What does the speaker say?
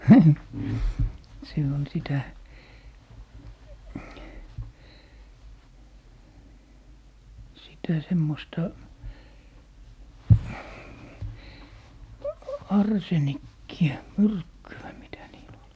se on sitä sitä semmoista arsenikkia myrkkyä mitä niillä oli